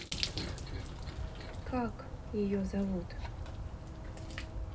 как ее зовут